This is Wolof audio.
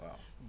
waaw